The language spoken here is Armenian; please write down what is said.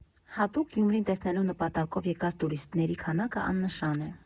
Հատուկ Գյումրին տեսնելու նպատակով եկած տուրիստների քանակը աննշան է։